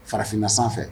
Farafinna sanfɛ